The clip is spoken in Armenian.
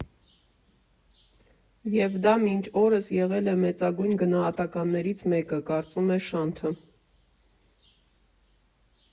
Եվ դա մինչ օրս եղել է մեծագույն գնահատականներից մեկը»,֊ կարծում է Շանթը։